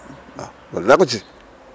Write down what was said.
waaw noonu laa ko gisee